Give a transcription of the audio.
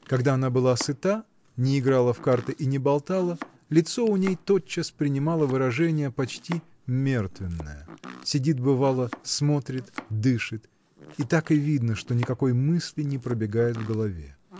Когда она была сыта, не играла в карты и не болтала, -- лицо у ней тотчас принимало выражение почти мертвенное: сидит, бывало, смотрит, дышит -- и так и видно, что никакой мысли не пробегает в голове.